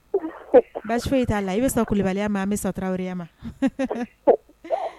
Baasi foyi t'a la i bɛ sɔn Kulubaliya ma n bɛ sɔn Taraweleya ma